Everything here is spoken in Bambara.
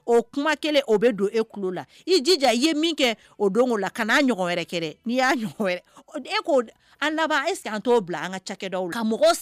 Wɛrɛ an laban san